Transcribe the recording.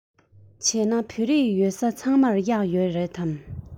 བྱས ན བོད རིགས ཡོད ས ཚང མར གཡག ཡོད རེད པས